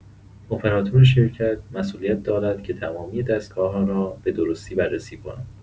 اپراتور شرکت مسئولیت دارد که تمامی دستگاه‌ها را به‌درستی بررسی کند.